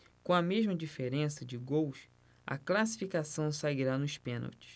com a mesma diferença de gols a classificação sairá nos pênaltis